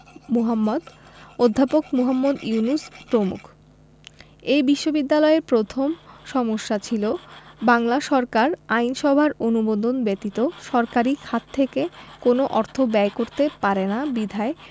মোহাম্মদ অধ্যাপক মুহম্মদ ইউনুস প্রমুখ এ বিশ্ববিদ্যালয়ের প্রথম সমস্যা ছিল বাংলা সরকার আইনসভার অনুমোদন ব্যতীত সরকারি খাত থেকে কোন অর্থ ব্যয় করতে পারে না বিধায়